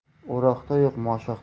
o'roqda yo'q mashoqda